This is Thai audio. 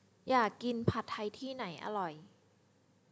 อยากกินผัดไทยที่ไหนอร่อย